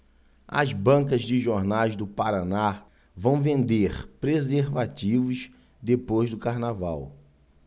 as bancas de jornais do paraná vão vender preservativos depois do carnaval